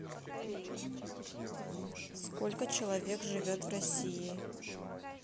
сколько человек живет в россии